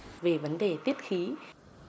vì vấn đề tiết khí